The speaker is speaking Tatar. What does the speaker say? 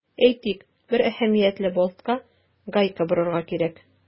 Әйтик, бер әһәмиятле болтка гайка борырга кирәк.